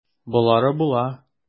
Болары була.